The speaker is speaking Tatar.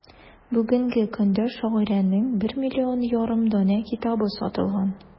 Бүгенге көндә шагыйрәнең 1,5 миллион данә китабы сатылган.